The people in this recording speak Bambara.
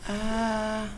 Aɔn